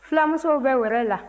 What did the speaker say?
fulamusow bɛ wɛrɛ la